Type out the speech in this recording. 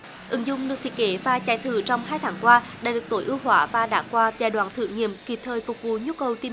ứng dụng được thiết kế và chạy thử trong hai tháng qua đã được tối ưu hóa và đã qua giai đoạn thử nghiệm kịp thời phục vụ nhu cầu tìm